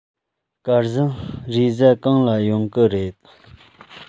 སྐལ བཟང རེས གཟའ གང ལ ཡོང གི རེད